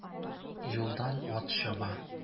Юлдан ат чаба.